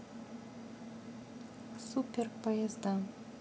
супер поезда